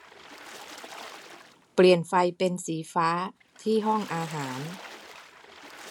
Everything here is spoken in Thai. เปลี่ยนไฟเป็นสีฟ้าที่ห้องอาหาร